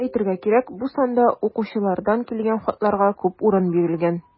Әйтергә кирәк, бу санда укучылардан килгән хатларга күп урын бирелгән.